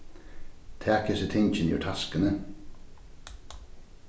tak hesi tingini úr taskuni